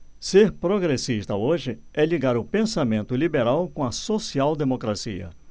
ser progressista hoje é ligar o pensamento liberal com a social democracia